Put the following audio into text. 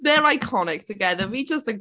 They're iconic together. Fi jyst yn...